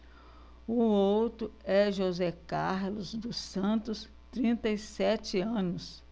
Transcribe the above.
o outro é josé carlos dos santos trinta e sete anos